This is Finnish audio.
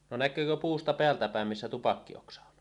no näkeekö puusta päältäpäin missä tupakkioksa on